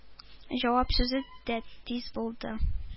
Җавап сүзе дә тиз булды.